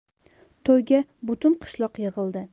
to'yga butun qishloq yig'ildi